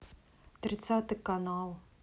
тридцатый канал